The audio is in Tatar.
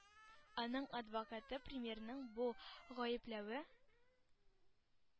Аның адвокаты премьерның бу гаепләве